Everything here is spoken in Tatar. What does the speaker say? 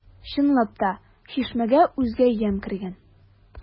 Чынлап та, чишмәгә үзгә ямь кергән.